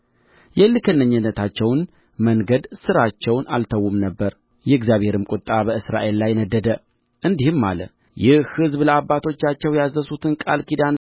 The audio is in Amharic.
የእልከኝነታቸውን መንገድና ሥራቸውን አልተዉም ነበር የእግዚአብሔርም ቍጣ በእስራኤል ላይ ነደደ እንዲህም አለ ይህ ሕዝብ ለአባቶቻቸው ያዘዝሁትን ቃል ኪዳን